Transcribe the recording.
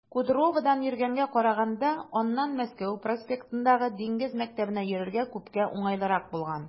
Кудроводан йөргәнгә караганда аннан Мәскәү проспектындагы Диңгез мәктәбенә йөрергә күпкә уңайлырак булган.